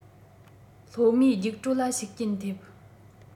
སློབ མའི རྒྱུགས སྤྲོད ལ ཤུགས རྐྱེན ཐེབས